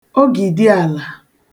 ogìdiàlà